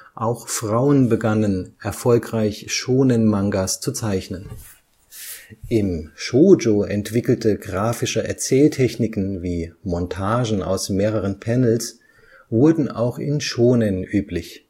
Auch Frauen begannen, erfolgreich Shōnen-Mangas zu zeichnen. Im Shōjo entwickelte grafische Erzähltechniken wie Montagen aus mehreren Panels wurden auch im Shōnen üblich